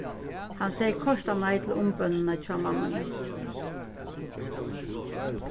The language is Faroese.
hann segði kortanei til umbønina hjá mammuni